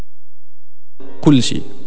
كل شيء